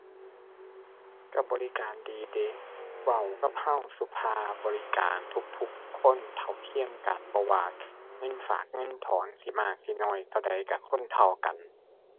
ก็บริการดีเดะ เว้ากับก็สุภาพ บริการทุกทุกคนเท่าเทียมกัน บ่ว่าเงินฝาก เงินถอน สิมากสิน้อยเท่าใดก็คนเท่ากัน